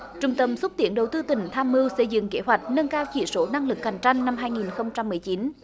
trung tâm xúc tiến đầu tư tỉnh tham mưu xây dựng kế hoạch nâng cao chỉ số năng lực cạnh tranh năm hai nghìn không trăm mười chín